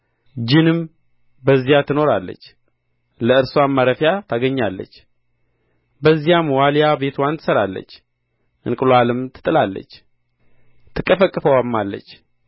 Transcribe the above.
ጅንም በዚያ ትኖራለች ለእርስዋም ማረፊያ ታገኛለች በዚያም ዋሊያ ቤትዋን ትሠራለች እንቍላልም ትጥላለች ትቀፈቅፈውማለች